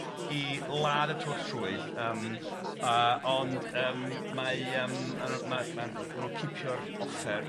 i ladd y twrch trwyth yym yy ond yym mae yym ma' nw ma' ma'n ma' nw cipio'r offer.